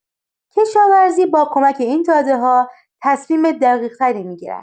کشاورز با کمک این داده‌ها تصمیم دقیق‌تری می‌گیرد.